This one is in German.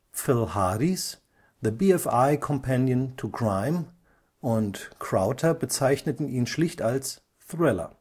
Phil Hardys The BFI Companion to Crime und Crowther bezeichneten ihn schlicht als „ Thriller